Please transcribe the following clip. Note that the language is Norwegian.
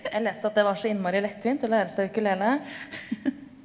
jeg leste at det var så innmari lettvint å lære seg ukulele.